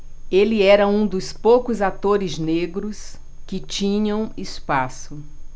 ele era um dos poucos atores negros que tinham espaço